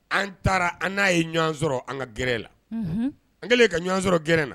An taara an na ye ɲɔgɔn sɔrɔ an ka gɛrɛn la. An kɛlen ka ɲɔgɔn sɔrɔ gɛrɛn na